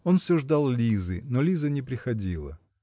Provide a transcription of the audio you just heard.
Он все ждал Лизы -- но Лиза не приходила.